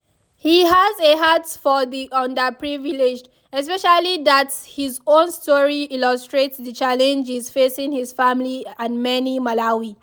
He has a heart for the underprivileged especially that his own story illustrates the challenges facing his family and many Malawi.